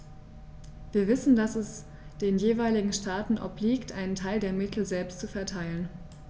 Wir wissen, dass es den jeweiligen Staaten obliegt, einen Teil der Mittel selbst zu verteilen.